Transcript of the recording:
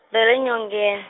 ra le Nyongen-.